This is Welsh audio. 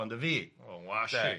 O ngwashi.